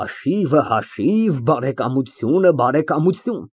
Հաշիվը֊հաշիվ, բարեկամությունը֊բարեկամություն։